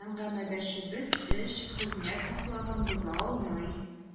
Әңгәмәдәшебез эш, хезмәт әхлагын боза алмый.